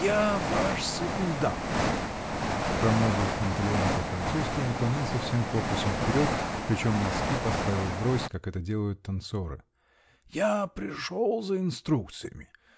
-- Я ваш секундант, -- промолвил Панталеоне по-французски и наклонился всем корпусом вперед, причем носки поставил врозь, как это делают танцоры. -- Я пришел за инструкциями.